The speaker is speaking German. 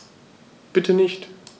Bitte nicht.